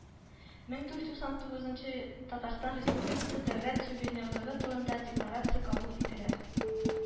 Мең тугыз туксан тугызынчы татарстан республикасы дәүләт суверенлыгы турында декларация кабул ителә